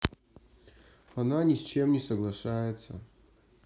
она ни с чем не соглашается